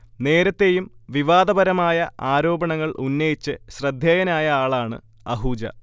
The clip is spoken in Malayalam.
നേരത്തെയും വിവാദപരമായ ആരോപണങ്ങൾ ഉന്നയിച്ച് ശ്രദ്ധേയനായ ആളാണ് അഹൂജ